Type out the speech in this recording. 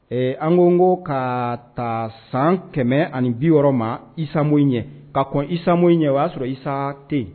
Ee an ko n ko ka taa san kɛmɛ ani bi yɔrɔ ma isamo ɲɛ ka kɔni isamo ye o y'a sɔrɔ isa ten yen